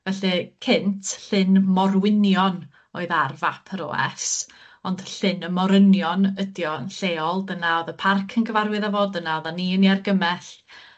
felly cynt, Llyn Morwynion oedd ar fap yr Owe Ess ond Llyn y Morynion ydi o yn lleol, dyna o'dd y parc yn cyfarwydd â fo, dyna oddan ni yn 'i argymell